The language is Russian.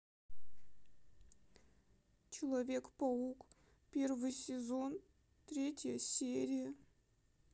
человек паук первый сезон третья серия